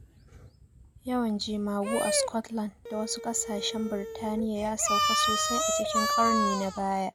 Yawan jemagu a Scotland da wasu ƙasashen Birtaniya ya sauka sosai a cikin ƙarni na baya.